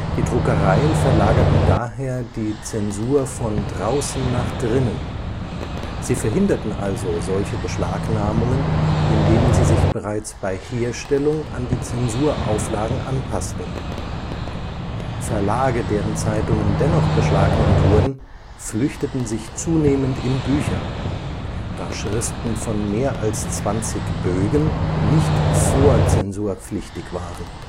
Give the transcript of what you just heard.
Die Druckereien verlagerten daher die Zensur von draußen nach drinnen, sie verhinderten also solche Beschlagnahmungen, indem sie sich bereits bei Herstellung an die Zensurauflagen anpassten. Verlage, deren Zeitungen dennoch beschlagnahmt wurden, flüchteten sich zunehmend in Bücher, da Schriften von mehr als 20 Bögen nicht vorzensurpflichtig waren